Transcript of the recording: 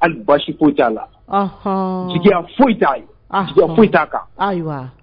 Ali basi foyi' la jigiya foyi t'a ye foyia kan